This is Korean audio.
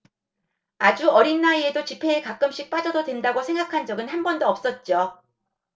아주 어린 나이에도 집회에 가끔씩 빠져도 된다고 생각한 적은 한 번도 없었죠